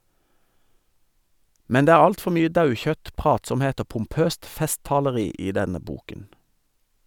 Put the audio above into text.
Men det er alt for mye daukjøtt, pratsomhet og pompøst festtaleri i denne boken.